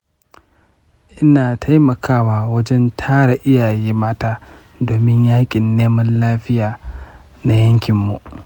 ina taimakawa wajen tara iyaye mata domin yaƙin neman lafiya na yankinmu.